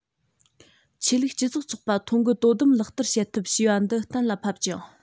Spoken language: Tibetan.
ཆོས ལུགས སྤྱི ཚོགས ཚོགས པ ཐོ འགོད དོ དམ ལག བསྟར བྱེད ཐབས ཞེས པ འདི གཏན ལ ཕབ ཅིང